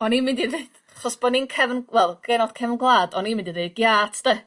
O'n i'n mynd i ddeu- 'chos bo' ni'n cefn wel genod cefn gwlad o'n i mynd i ddeu giât 'de